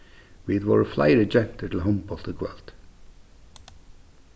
vit vóru fleiri gentur til hondbólt í kvøld